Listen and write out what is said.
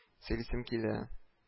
Сөйлисем килә